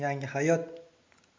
yangi hayot